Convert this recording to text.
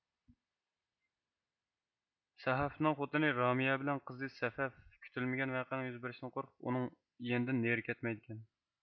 سەھافنىڭ خوتۇنى رامىيە بىلەن قىزى سەفەف كۈتۈلمىگەن ۋەقەنىڭ يۈز بېرىشىدىن قورقۇپ ئۇنىڭ يېنىدىن نېرى كەتمەيدىكەن